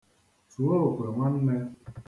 Tụọ okwe nwanne.